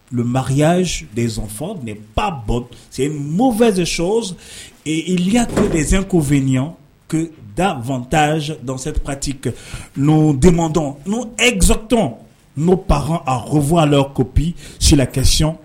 Bagaya de fɔ ba bɔ mɔ2ze shɔ iliya tɛ dez ko2 ka daɔnta kati n' dentɔn n ezot n' pankɔn a hɔfɔ a kopi silamɛsion